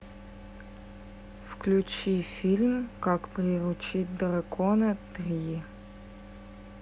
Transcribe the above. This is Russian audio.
включи фильм как приручить дракона три